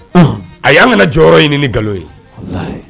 Ɔnhɔn, ayi a n kana jɔyɔrɔ ɲini ni nkalon ye, wallahi